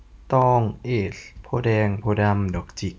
ตองเอซโพธิ์แดงโพธิ์ดำดอกจิก